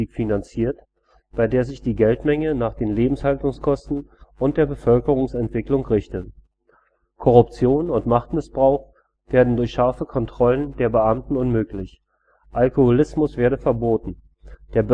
finanziert, bei der sich die Geldmenge nach den Lebenshaltungskosten und der Bevölkerungsentwicklung richte. Korruption und Machtmissbrauch werde durch scharfe Kontrollen der Beamten unmöglich. Alkoholismus werde verboten, der